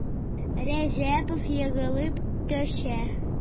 Рәҗәпов егылып төшә.